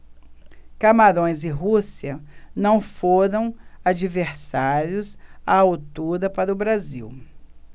camarões e rússia não foram adversários à altura para o brasil